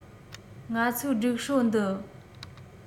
ང ཚོའི སྒྲིག སྲོལ འདི